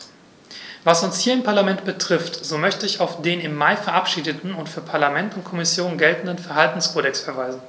Was uns hier im Parlament betrifft, so möchte ich auf den im Mai verabschiedeten und für Parlament und Kommission geltenden Verhaltenskodex verweisen.